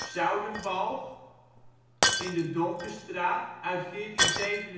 Zoudenbalch in de Donkerstraat uit 1467-1468